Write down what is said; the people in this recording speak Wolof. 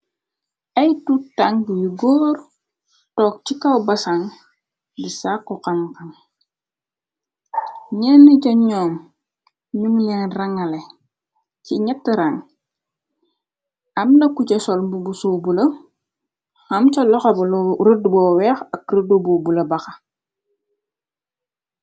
Ay tut tang yu góor toog ci kaw basaŋ, di sàkku xam xam, ñenn ca ñoom, ñun leen rangale ci ñett rang, am na ku ca sol mbub suw bula, am ca loxo bu rëdd bu weex, ak rëdd bu bula baxa.